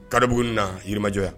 Kabugu na yiri majɔya